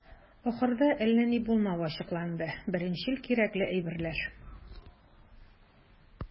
Ахырда, әллә ни булмавы ачыкланды - беренчел кирәкле әйберләр.